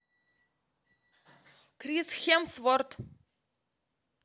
крис хемсворт